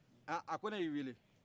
a ko ne y'i wele